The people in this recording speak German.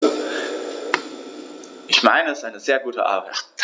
Ich meine, es ist eine sehr gute Arbeit.